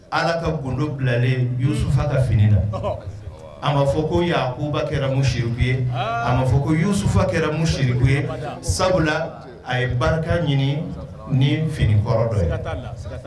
Ala ka gdo bilalenusufa ka fini na a b'a fɔ ko uba kɛra musuriku ye a'a fɔ ko yousufa kɛra musuriku ye sabula a ye barika ɲini ni finikɔrɔ dɔ ye